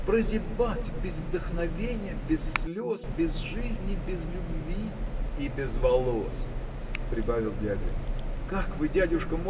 прозябать без вдохновенья, без слез, без жизни, без любви. – И без волос! – прибавил дядя. – Как вы дядюшка